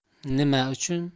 nima uchun